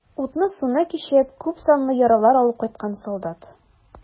Утны-суны кичеп, күпсанлы яралар алып кайткан солдат.